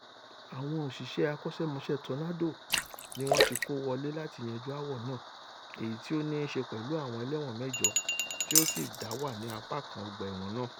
Àwọn òṣìṣẹ́ akọ́ṣẹ́mọṣẹ́ ''Tornado'' níwọ́n ti kó wọlé láti yanjú aáwọ̀ náà, èyití o nííṣe pẹ̀lú àwọn ẹlẹ́wọ̀n mẹ́jọ tí ó sì dáwà ní apá kan ọgbà-ẹ̀wọ̀n náà.